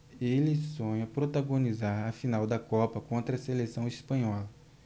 ele sonha protagonizar a final da copa contra a seleção espanhola